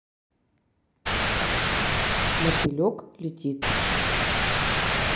мотылек летит